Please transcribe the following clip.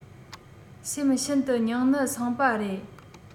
སེམས ཤིན དུ སྙིང ནད སངས པ རེད